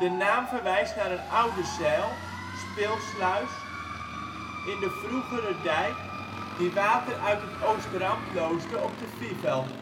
naam verwijst naar een oude zijl (spilsluis) in de vroegere dijk, die water uit het Oosterambt loosde op de Fivel